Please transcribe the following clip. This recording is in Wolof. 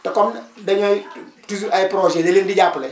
te comme dañoo toujours ay projet li leen di jàppale